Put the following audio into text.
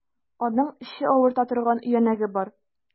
Аның эче авырта торган өянәге бар.